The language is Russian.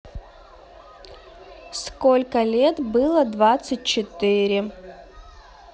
сколько лет было двадцать четыре